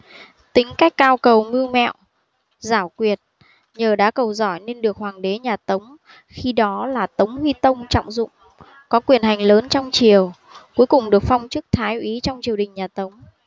tính cách cao cầu mưu mẹo giảo quyệt nhờ đá cầu giỏi nên được hoàng đế nhà tống khi đó là tống huy tông trọng dụng có quyền hành lớn trong triều cuối cùng được phong chức thái úy trong triều đình nhà tống